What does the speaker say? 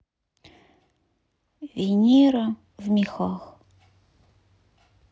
венера в мехах